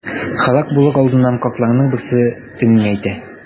Һәлак булыр алдыннан картларның берсе тегеңә әйтә.